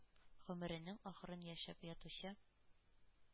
Омеренең ахырын яшәп ятучы,